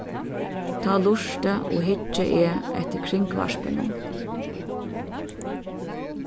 tá lurti og hyggi eg eftir kringvarpinum